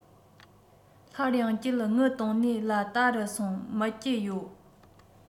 སླར ཡང ཀྱི དངུལ བཏོན ནས ལ བལྟ རུ སོང སྨད ཀྱི ཡོད